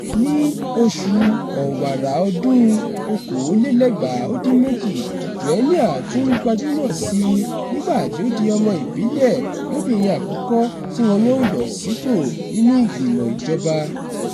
Ní oṣù Ọ̀wàrà ọdún-un 2018, Joenia tún gbajúmọ̀ sí i nígbà tí ó di ọmọ ìbílẹ̀ lóbìnrin àkọ́kọ́ tí wọn yóò yàn sípò nínú ìgbìmọ̀ ìjọba.